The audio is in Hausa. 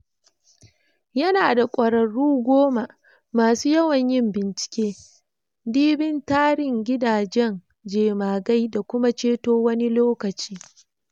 Yana da kwarraru goma, masu yawan yin bincike, dibin tarin gidajen jemagai da kuma ceto wani lokaci.